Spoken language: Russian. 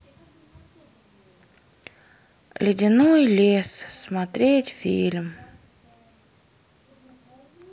ледяной лес смотреть фильм